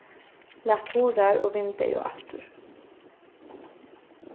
lat hurðar og vindeygu aftur